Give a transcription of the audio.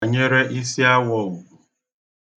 Kwanyere isiawọ ugwu.